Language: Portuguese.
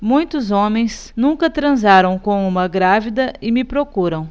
muitos homens nunca transaram com uma grávida e me procuram